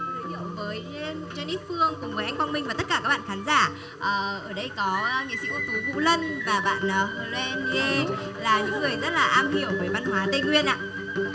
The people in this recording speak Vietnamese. giới thiệu với de nít phương cùng với anh quang minh và tất cả các bạn khán giả ở đây có nghệ sĩ ưu tú vũ lân và bạn hờ hen ni ê là những người rất am hiểu về văn hóa tây nguyên ạ